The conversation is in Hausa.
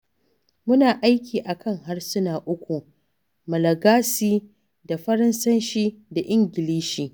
Muna aiki a kan harsuna uku: Malagasy da Faransanci da Ingilishi.